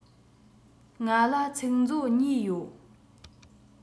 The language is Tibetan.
ང ལ ཚིག མཛོད གཉིས ཡོད